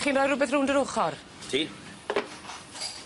Chi'n roi rwbeth rownd yr ochor? Ti.